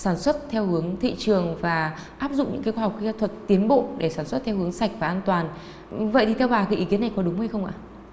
sản xuất theo hướng thị trường và áp dụng những cái khoa học kỹ thuật tiến bộ để sản xuất theo hướng sạch và an toàn vậy thì theo bà cái ý kiến này có đúng hay không ạ